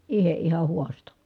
itse ihan haastoi